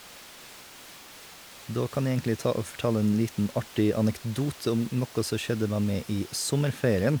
Da kan jeg egentlig ta og fortelle en liten, artig anekdote om noe som skjedde med meg i sommerferien.